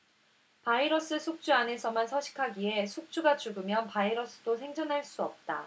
바이러스는 숙주 안에서만 서식하기에 숙주가 죽으면 바이러스도 생존할 수 없다